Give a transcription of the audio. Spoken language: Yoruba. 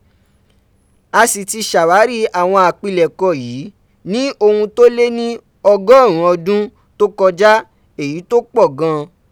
A sì ti ṣàwárí àwọn àpilẹ̀kọ yìí ní ohun tó lé ní ọgọ́rùn ún ọdún tó kọjá, èyí tó pọ̀ gan an.